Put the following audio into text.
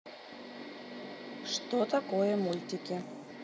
что такое мультики